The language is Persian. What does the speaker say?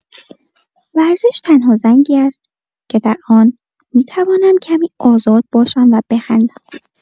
ورزش تنها زنگی است که در آن می‌توانم کمی آزاد باشم و بخندم.